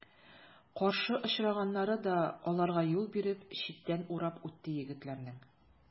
Каршы очраганнары да аларга юл биреп, читтән урап үтте егетләрнең.